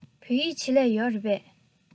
བོད ཡིག ཆེད ལས ཡོད རེད པས